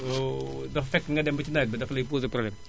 dafa fekk nga dem ba ci nawet bi dafa lay posé problème